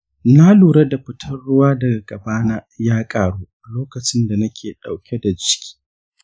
na lura da fitar ruwa daga gabana ya karu lokacinda nake dauke da ciki